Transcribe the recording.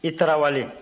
i tarawele